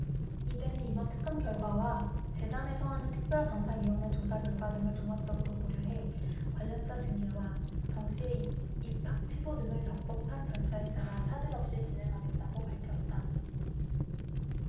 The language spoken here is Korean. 이대는 이번 특감 결과와 재단에서 하는 특별감사위원회 조사 결과 등을 종합적으로 고려해 관련자 징계와 정씨의 입학취소 등을 적법한 절차에 따라 차질 없이 진행하겠다고 밝혔다